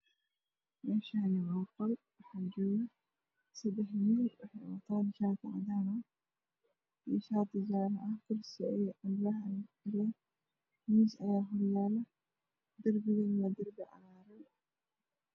Meeshaani waa qol waxaa Waxa wataa miis ayaa horyaalo